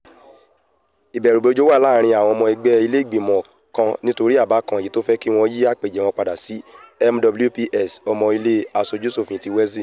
Ìbẹ̀rù-bojo wà láàárin àwọn ϙmϙ ẹgbẹ́ ilé ìgbìmọ̀ kan nítorí àbá kan èyití ó fẹ́ kí wọ́n yí àpèjẹ wọn padà sí MWPs (Ọmọ Ilé Aṣojú-ṣòfin ti Welsh)